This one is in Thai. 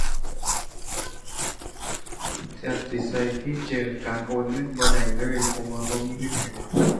แทบสิใช้ฟีเจอร์การโอนเงินบ่ได้เลย เพราะว่าบ่มีเงินให้โอน